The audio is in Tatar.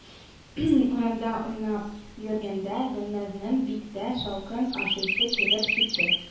Урамда уйнап йөргәндә Гөльназның бик тә шалкан ашыйсы килеп китте